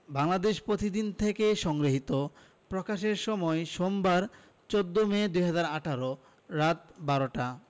বাংলাদেশ প্রতিদিন থেলে সংগৃহীত প্রকাশের সময় সোমবার ১৪ মে ২০১৮ রাত ১২টা